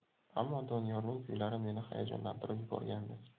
ammo doniyorning kuylari meni hayajonlantirib yuborgandi